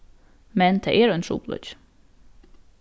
men tað er ein trupulleiki